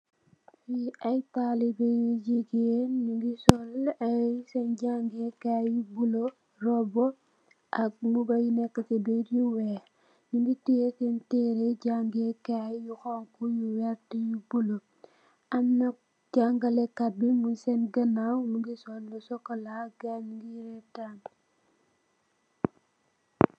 Lee aye talibeh yu jegain nuge sol aye sen jangekay yu bulo roubu ak muba yu neka se birr yu weex nuge teye sen tereh jangekay yu xonxo yu verte yu bulo amna jagalekate mug sen ganaw muge sol lu sukola gaye nuge retan.